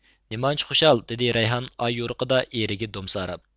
نېمانچە خۇشال دېدى رەيھان ئاي يورۇقىدا ئېرىگە دومساراپ